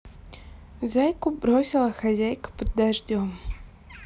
зайку бросила хозяйка под дождем